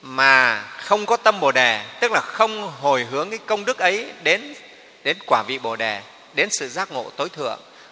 mà không có tâm bồ đề tức là không hồi hướng cái công đức ấy đến quả vị bồ đề đến sự giác ngộ tối thượng